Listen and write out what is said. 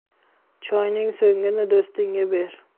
choyning so'ngini do'stingga ber